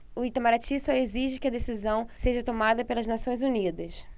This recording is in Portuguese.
o itamaraty só exige que a decisão seja tomada pelas nações unidas